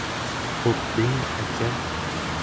xo'p deng aka